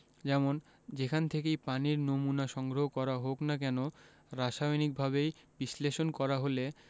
যেমন যেখান থেকেই পানির নমুনা সংগ্রহ করা হোক না কেন রাসায়নিকভাবে বিশ্লেষণ করা হলে